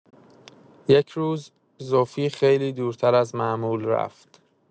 یک روز، زوفی خیلی دورتر از معمول رفت.